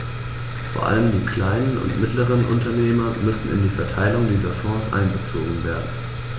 Vor allem die kleinen und mittleren Unternehmer müssen in die Verteilung dieser Fonds einbezogen werden.